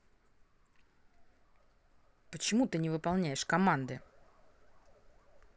почему ты не выполняешь команды